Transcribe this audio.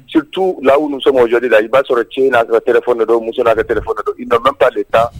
Stu la mɔgɔjɔli la i b'a sɔrɔ ci'a ka tɛ- nɔtɔ muso n'a ka tɛ dɔn i ma'aale ta